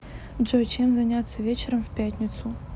джой чем заняться вечером в пятницу